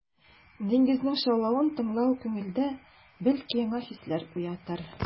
Диңгезнең шаулавын тыңлау күңелдә, бәлки, яңа хисләр уятыр.